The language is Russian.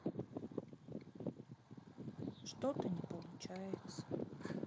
что то не получается